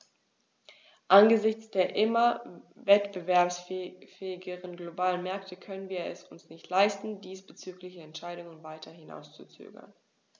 Angesichts der immer wettbewerbsfähigeren globalen Märkte können wir es uns nicht leisten, diesbezügliche Entscheidungen weiter hinauszuzögern.